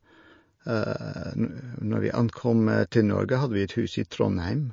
nu Når vi ankom til Norge, hadde vi et hus i Trondheim.